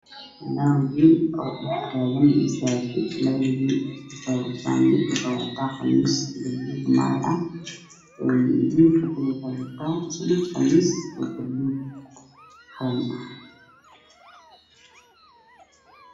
Labo wlll oo dhax tagan masajid mid waxow wata qamis balug maar ah midkale waxow wata qamis baluug calan ah